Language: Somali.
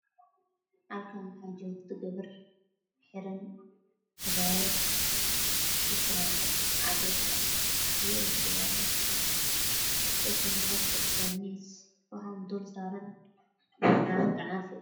Waxa ay muuqda meel howl oo dad isku imaadeen waxaa ii muuqda gabar wadato tarwad cadaan oo fadhida oo qosleyso